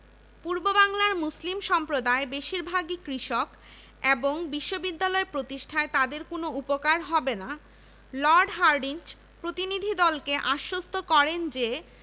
superintendent Shamsul Ulama Abu Nasr Muhammad Wahed আলীগড়ের Mohammad Ali Kolkata presidency কলেজের অধ্যক্ষ এইচ.আর জেমস